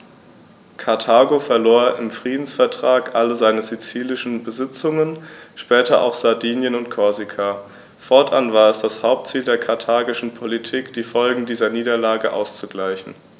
Karthago verlor im Friedensvertrag alle seine sizilischen Besitzungen (später auch Sardinien und Korsika); fortan war es das Hauptziel der karthagischen Politik, die Folgen dieser Niederlage auszugleichen.